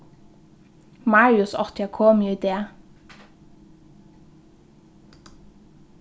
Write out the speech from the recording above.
marius átti at komið í dag